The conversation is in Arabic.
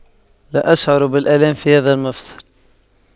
لا أشعر بالآلام في هذا المفصل